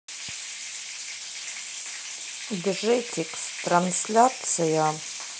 джетикс трансляция